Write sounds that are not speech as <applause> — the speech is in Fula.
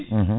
<hesitation> <hesitation>